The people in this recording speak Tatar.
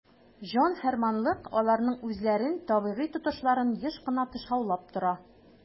"җан-фәрманлык" аларның үзләрен табигый тотышларын еш кына тышаулап тора.